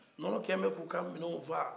nɔnɔ kɛlen bɛ k'o ka minɛw fa